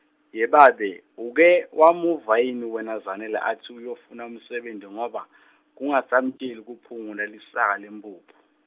yebabe, uke, wamuva yini wena Zanele atsi uyofuna umsebenti ngoba , kungasamtjeli kuphungula lisaka lemphuphu.